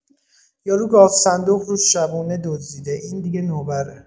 یارو گاوصندوق رو شبونه دزدیده، این دیگه نوبره!